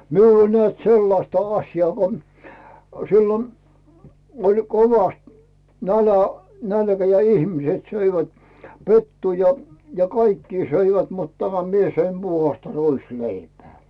minulla oli näet sellaista asiaa kun silloin oli kovasti - nälkä ja ihmiset söivät pettua ja ja kaikkia söivät mutta tämä minä söin puhdasta ruisleipää